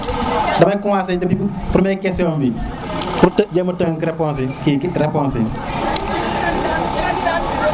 demey commencer ci 1er question:bi pour jema tenk réponse yi ki réponse yi